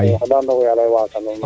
xenda roogo yaaloxe wasana in